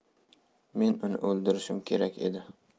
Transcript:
men uni o'ldirishim kerak edi